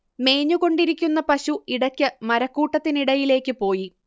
മേഞ്ഞുകൊണ്ടിരിക്കുന്ന പശു ഇടക്ക് മരക്കൂട്ടത്തിനിടയിലേക്ക് പോയി